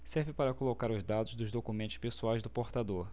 serve para colocar os dados dos documentos pessoais do portador